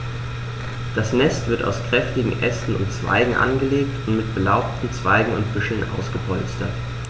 Das Nest wird aus kräftigen Ästen und Zweigen angelegt und mit belaubten Zweigen und Büscheln ausgepolstert.